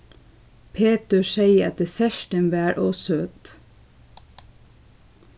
petur segði at dessertin var ov søt